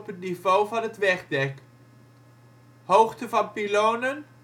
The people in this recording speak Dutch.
niveau van het wegdek) Hoogte van pylonen